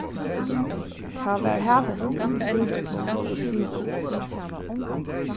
tað var havhestur við súreplum og rosinum